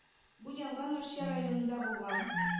Бу янгын арча районында булган